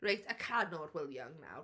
Reit, y canwr Will Young nawr.